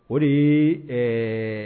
O de ɛɛ